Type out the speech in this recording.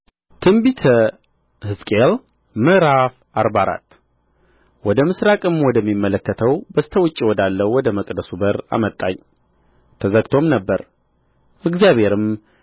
በትንቢተ ሕዝቅኤል ምዕራፍ አርባ አራት ወደ ምሥራቅም ወደሚመለከተው በስተ ውጭ ወዳለው ወደ መቅደሱ በር አመጣኝ ተዘግቶም ነበር እግዚአብሔርም